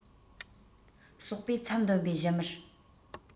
ཟོག པོའི མཚམ འདོན པའི བཞུ མར